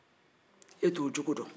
e t'o cogo dɔn